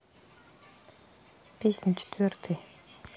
песня четвертый